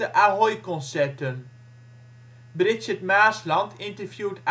Ahoy-concerten. Bridget Maasland interviewt